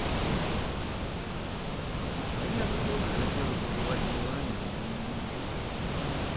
а я бы тоже хотела побывать в милане но у меня нет денег